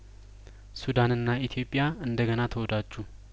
ሱዳንና ኢትዮጵያእንደ ገና ተወዳጁ